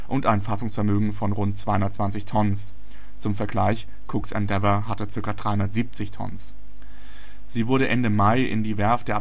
und ein Fassungsvermögen von rund 220 tons (zum Vergleich: Cooks Endeavour hatte ca. 370 tons). Sie wurde Ende Mai in die Werft